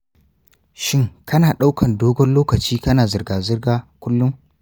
shin kana daukan dogon lokaci kana zirga-zirga kullum?